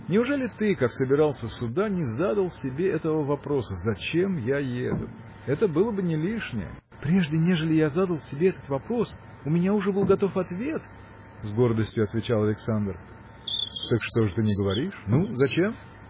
Неужели ты, как сбирался сюда, не задал себе этого вопроса зачем я еду? Это было бы не лишнее. – Прежде нежели я задал себе этот вопрос у меня уже был готов ответ! – с гордостию отвечал Александр. – Так что же ты не говоришь? ну, зачем?